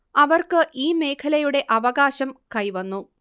അവർക്ക് ഈ മേഖലയുടെ അവകാശം കൈവന്നു